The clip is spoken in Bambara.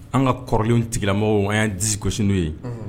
An ka kɔrɔlen tigila mɔgɔw an' di gosis n'u ye